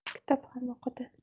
kitob ham o'qidi